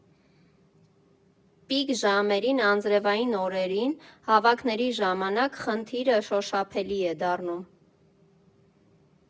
Պիկ ժամերին, անձրևային օրերին, հավաքների ժամանակ խնդիրը շոշափելի է դառնում։